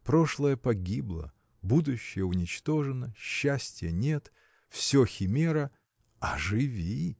Прошлое погибло, будущее уничтожено, счастья нет: все химера – а живи!